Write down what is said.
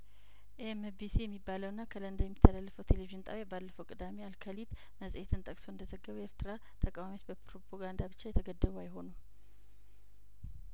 ኤምቢሲ የሚባለውና ከለንደን የሚተላለፈው ቴሌቪዥን ጣቢያ ባለፈው ቅዳሜ አልከሊድ መጽሄትን ጠቅሶ እንደዘገበው የኤርትራ ተቃዋሚዎች በፕሮፖጋንዳ ብቻ የተገደቡ አይሆኑም